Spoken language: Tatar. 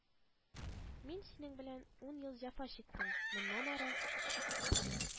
– мин синең белән ун ел җәфа чиктем, моннан ары